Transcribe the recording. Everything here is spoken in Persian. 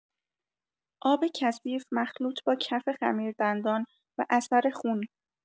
آب کثیف مخلوط با کف خمیردندان و اثر خون